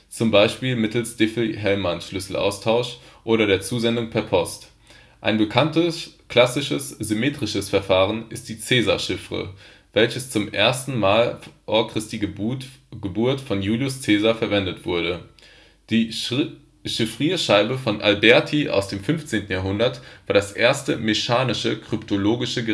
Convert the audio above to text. zum Beispiel mittels Diffie-Hellman-Schlüsselaustausch oder der Zusendung per Post). Ein bekanntes klassisches symmetrisches Verfahren ist die Cäsar-Chiffre, welche zum ersten Mal vor Christi Geburt von Julius Caesar verwendet wurde. Die Chiffrierscheibe von Alberti aus dem 15. Jahrhundert war das erste mechanische kryptologische